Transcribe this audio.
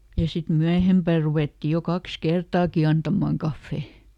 ja sitten myöhempään ruvettiin jo kaksi kertaakin antamaan kahvia